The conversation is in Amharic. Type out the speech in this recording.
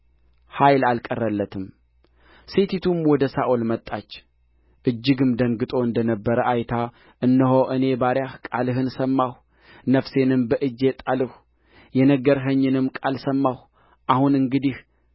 ኃይል አልቀረለትም ሴቲቱም ወደ ሳኦል መጣች እጅግም ደንግጦ እንደ ነበረ አይታ እነሆ እኔ ባሪያህ ቃልህን ሰማሁ ነፍሴንም በእጄ ጣልሁ የነገርኸኝንም ቃል ሰማሁ አሁን እንግዲህ